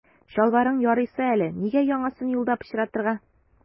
Чалбарың ярыйсы әле, нигә яңасын юлда пычратырга.